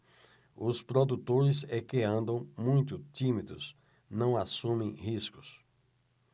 os produtores é que andam muito tímidos não assumem riscos